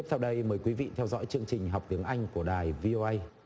tiếp theo đây mời quý vị theo dõi chương trình học tiếng anh của đài vi ô ây